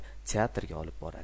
teatrga olib boradi